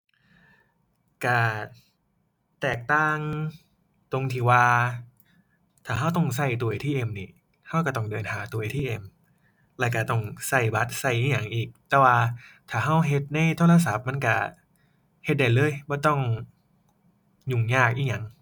ก็แตกต่างตรงที่ว่า ถ้าก็ต้องก็ตู้ ATM นี่ก็ก็ต้องเดินหาตู้ ATM แล้วก็ต้องก็บัตรก็อิหยังอีก แต่ว่าถ้าก็เฮ็ดในโทรศัพท์มันก็เฮ็ดได้เลย บ่ต้องยุ่งยากอิหยัง